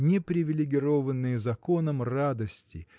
непривилегированные законом радости